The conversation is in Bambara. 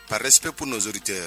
Paspori cɛ ye